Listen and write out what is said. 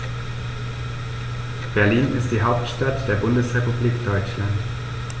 Berlin ist die Hauptstadt der Bundesrepublik Deutschland.